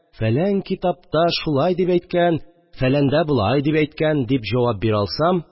Фәлән китапта шулай дип әйткән, фәләндә болай дип әйткән дип җавап бирә алсам